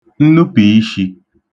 nnupìishī